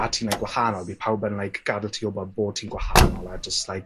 A ti'n gwahanol by pawb yn like gad'el ti wbod bo' ti'n gwahanol a jyst like